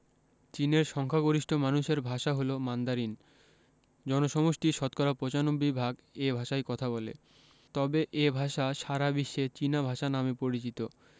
চীনের সংখ্যাগরিষ্ঠ মানুষের ভাষা হলো মান্দারিন জনসমষ্টির শতকরা ৯৫ ভাগ এ ভাষায় কথা বলে তবে এ ভাষা সারা বিশ্বে চীনা ভাষা নামে পরিচিত